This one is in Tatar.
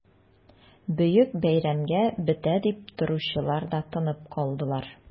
Бөек бәйрәмгә бетә дип торучылар да тынып калдылар...